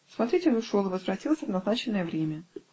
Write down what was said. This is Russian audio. Смотритель ушел и возвратился в назначенное время.